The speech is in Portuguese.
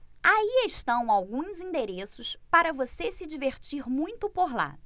aí estão alguns endereços para você se divertir muito por lá